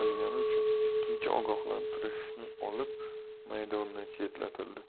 uchun ikkinchi ogohlantirishni olib maydondan chetlatildi